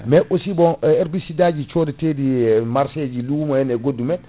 mais aussi bon e herbicide aji codateɗi e marché loumo en e goɗɗumen